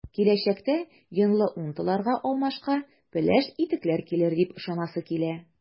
Киләчәктә “йонлы” унтыларга алмашка “пеләш” итекләр килер дип ышанасы килә.